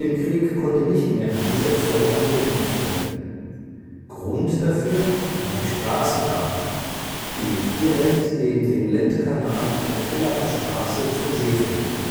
Krieg konnte nicht mehr an diese Erfolge angeknüpft werden. Grund dafür war die Straßenbahn, die direkt neben dem Lendkanal auf der Villacher Straße zum See verlief